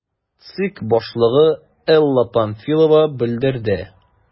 ЦИК башлыгы Элла Памфилова белдерде: